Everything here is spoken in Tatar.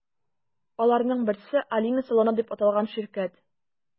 Аларның берсе – “Алина салоны” дип аталган ширкәт.